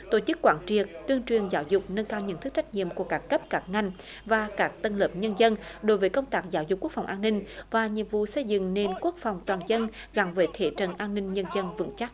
tổ chức quán triệt tuyên truyền giáo dục nâng cao nhận thức trách nhiệm của các cấp các ngành và các tầng lớp nhân dân đối với công tác giáo dục quốc phòng an ninh và nhiệm vụ xây dựng nền quốc phòng toàn dân gắn với thế trận an ninh nhân dân vững chắc